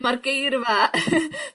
...ma'r geirfa